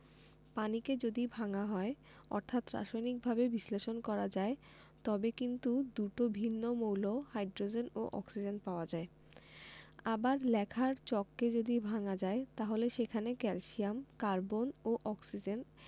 পানিকে যদি ভাঙা হয় অর্থাৎ রাসায়নিকভাবে বিশ্লেষণ করা যায় তবে কিন্তু দুটো ভিন্ন মৌল হাইড্রোজেন ও অক্সিজেন পাওয়া যায় আবার লেখার চককে যদি ভাঙা যায় তাহলে সেখানে ক্যালসিয়াম কার্বন ও অক্সিজেন